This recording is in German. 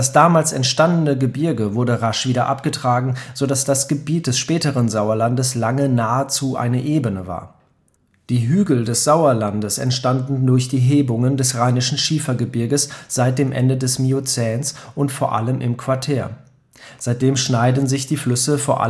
damals entstandene Gebirge wurde rasch wieder abgetragen, so dass das Gebiet des späteren Sauerlandes lange nahezu eine Ebene war. Die Hügel des Sauerlandes entstanden durch die Hebung des Rheinischen Schiefergebirges seit dem Ende des Miozäns und vor allem im Quartär. Seitdem schneiden sich die Flüsse vor